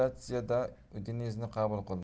meatssa da udineze ni qabul qildi